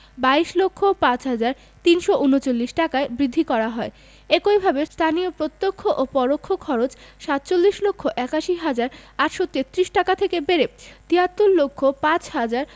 ২২ লক্ষ ৫ হাজার ৩৩৯ টাকায় বৃদ্ধি করা হয় একইভাবে স্থানীয় প্রত্যক্ষ ও পরোক্ষ খরচ ৪৭ লক্ষ ৮১ হাজার ৮৩৩ টাকা থেকে বেড়ে ৭৩ লক্ষ ৫ হাজার